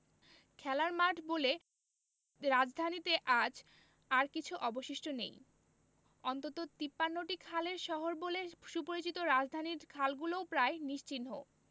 খেলার মাঠ বলে রাজধানীতে আজ আর কিছু অবশিষ্ট নেই অন্তত ৫৩টি খালের শহর বলে সুপরিচিত রাজধানীর খালগুলোও প্রায় নিশ্চিহ্ন